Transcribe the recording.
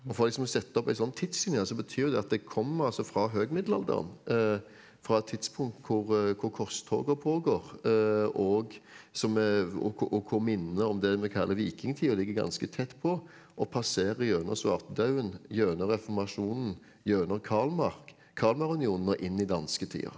og for liksom å sette opp ei sånn tidslinje så betyr jo det at det kommer altså fra høgmiddelalderen fra et tidspunkt hvor hvor korstoga pågår òg som og hvor og hvor minnene om det vi kaller vikingtida ligger ganske tett på og passerer gjennom svartedauden, gjennom reformasjonen, gjennom Kalmarunionen og inn i dansketida.